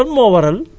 deux mille onze